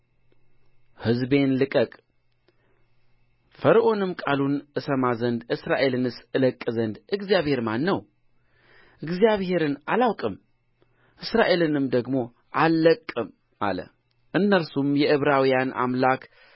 ሕዝቤን ልቀቅ ፈርዖንም ቃሉን እሰማ ዘንድ እስራኤልንስ እለቅቅ ዘንድ እግዚአብሔር ማን ነው እግዚአብሔርን አላውቅም እስራኤልንም ደግሞ አልለቅቅም አለ እነርሱም የዕብራውያን አምላክ